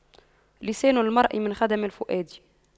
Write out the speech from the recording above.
لسان المرء من خدم الفؤاد